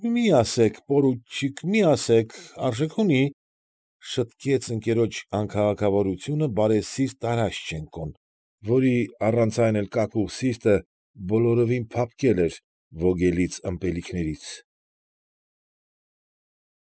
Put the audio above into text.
Մի՛ ասեք, պարուչիկ, մի ասեք, արժեք ունի,֊ շտկեց ընկերոջ անքաղաքավարությունը բարեսիրտ Տարաշչենկոն, որի առանց այն էլ կակուղ սիրտը բոլորովին փափկել էր ոգելից ըմպելիքներից։֊